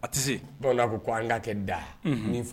A tɛ se bamanan ko ko an k ka kɛ da